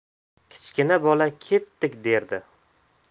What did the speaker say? kichkina bola ketdik derdi